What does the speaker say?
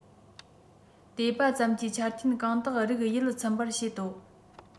བལྟས པ ཙམ གྱིས ཆ རྐྱེན གང དག རིགས ཡིད ཚིམ པར བྱེད དོ